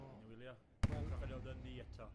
O. Dwi myn' i wylio, crocodeil Dundee eto.